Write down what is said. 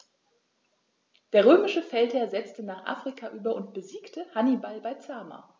Der römische Feldherr setzte nach Afrika über und besiegte Hannibal bei Zama.